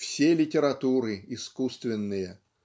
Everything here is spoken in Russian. все литературы искусственные.